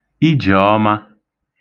ijè ọma